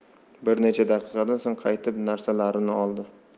bir necha daqiqadan so'ng qaytib narsalarini oldi